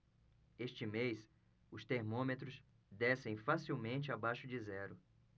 este mês os termômetros descem facilmente abaixo de zero